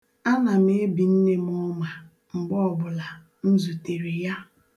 Ana m ebi nne m ọma mgbe ọbụla m zutere ya.